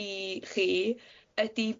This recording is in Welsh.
i chi ydi